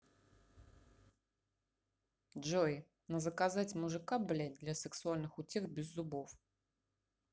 джой на заказать мужика блять для сексуальных утех без зубов